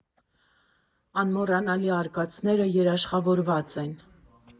Անմոռանալի արկածները երաշխավորված են։